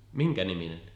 minkä niminen